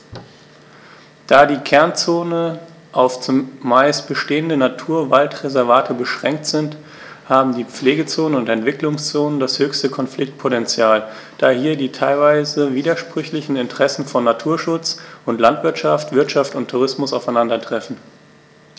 Da die Kernzonen auf – zumeist bestehende – Naturwaldreservate beschränkt sind, haben die Pflegezonen und Entwicklungszonen das höchste Konfliktpotential, da hier die teilweise widersprüchlichen Interessen von Naturschutz und Landwirtschaft, Wirtschaft und Tourismus aufeinandertreffen.